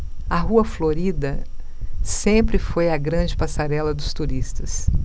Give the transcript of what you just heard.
a rua florida sempre foi a grande passarela dos turistas